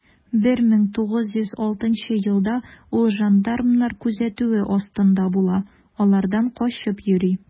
1906 елда ул жандармнар күзәтүе астында була, алардан качып йөри.